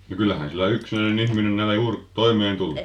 no kyllähän sillä yksinäinen ihminen näillä juuri toimeen tulee